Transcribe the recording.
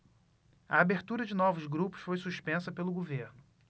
a abertura de novos grupos foi suspensa pelo governo